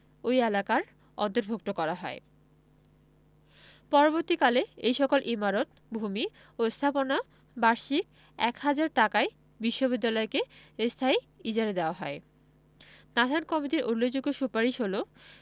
ওই এলাকার অন্তর্ভুক্ত করা হয় পরবর্তীকালে এ সকল ইমারত ভূমি ও স্থাপনা বার্ষিক এক হাজার টাকায় বিশ্ববিদ্যালয়কে স্থায়ী ইজারা দেওয়া হয় নাথান কমিটির উল্লেখযোগ্য সুপারিশ হলো: